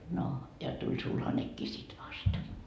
no ja tuli sulhanenkin sitten vasta